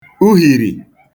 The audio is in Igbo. uhìrì